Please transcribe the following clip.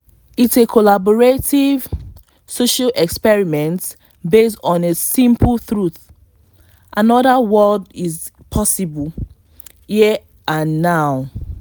It's a collaborative, social experiment based on a simple truth: another world is possible, here and now.